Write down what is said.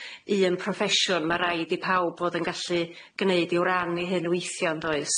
un proffesiwn. Ma' raid i pawb fod yn gallu gneud i'w ran i hyn weithio, yn does?